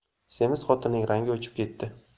semiz xotinning rangi o'chib ketdi